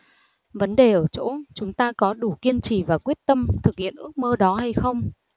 vấn đề ở chỗ chúng ta có đủ kiên trì và quyết tâm thực hiện ước mơ đó hay không